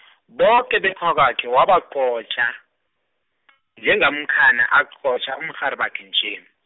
boke bekhakwakhe wabaqotjha, njengamkhana aqotjha umrharibakhe nje.